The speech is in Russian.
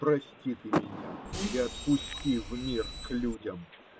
Прости ты меня и отпусти в мир к людям